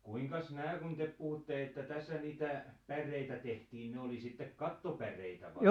kuinkas nämä kun te puhutte että tässä niitä päreitä tehtiin ne oli sitten kattopäreitä vai